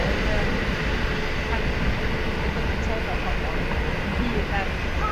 yr yym y ffaith 'na bo' chdi 'di gweithio gymaint efo pobol ynghyd a'r